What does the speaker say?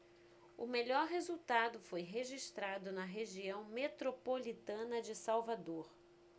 o melhor resultado foi registrado na região metropolitana de salvador